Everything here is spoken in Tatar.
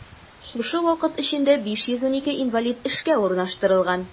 Шушы вакыт эчендә 512 инвалид эшкә урнаштырылган.